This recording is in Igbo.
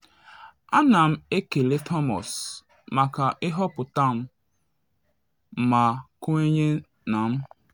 Ana m ekele Thomas maka ịhọpụta m ma kwenye na m.